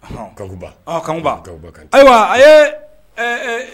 Hɔn kakuba , kakunbaba ayiwa, a ye ɛɛ